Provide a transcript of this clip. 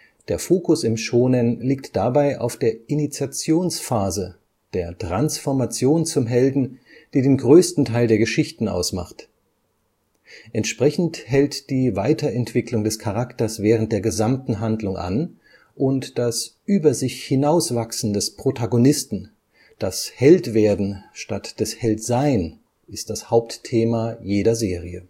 Der Fokus im Shōnen liegt dabei auf der Initiationsphase, der Transformation zum Helden, die den größten Teil der Geschichten ausmacht. Entsprechend hält die Weiterentwicklung des Charakters während der gesamten Handlung an und das Übersichhinauswachsen des Protagonisten, das Held-Werden statt das Held-Sein ist das Hauptthema jeder Serie